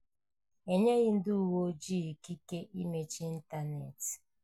E nyere ndị uwe ojii ikike imechi ịntaneetị